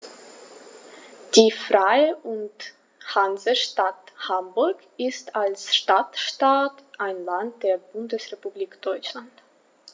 Die Freie und Hansestadt Hamburg ist als Stadtstaat ein Land der Bundesrepublik Deutschland.